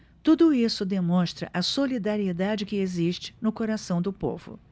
tudo isso demonstra a solidariedade que existe no coração do povo